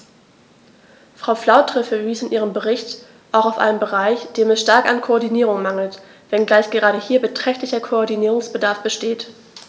Frau Flautre verwies in ihrem Bericht auch auf einen Bereich, dem es stark an Koordinierung mangelt, wenngleich gerade hier beträchtlicher Koordinierungsbedarf besteht.